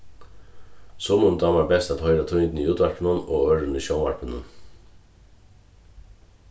summum dámar best at hoyra tíðindini í útvarpinum og øðrum í sjónvarpinum